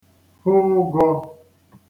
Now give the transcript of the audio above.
kwụ ụgọ̄